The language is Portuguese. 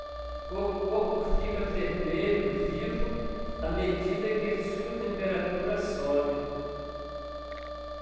o corpo fica vermelho vivo à medida que sua temperatura sobe